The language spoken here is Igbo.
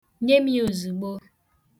Nye m ya ozugbo.